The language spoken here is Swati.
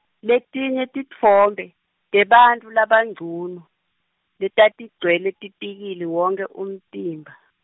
letinye titfombe, tebantfu labangcunu, letatigcwele tipikili wonkhe umtimba.